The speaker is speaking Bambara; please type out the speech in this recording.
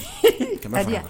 Ka di